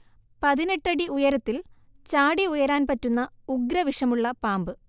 പതിനെട്ട് അടിഉയരത്തിൽ ചാടി ഉയരാൻ പറ്റുന്ന ഉഗ്രവിഷമുള്ള പാമ്പ്